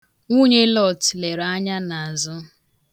Nwunye Lọọtụ lere anya n'azụ.